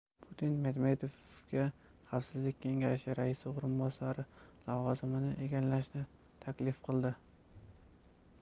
putin medvedevga xavfsizlik kengashi raisi o'rinbosari lavozimini egallashni taklif qildi